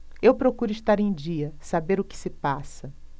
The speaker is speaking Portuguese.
eu procuro estar em dia saber o que se passa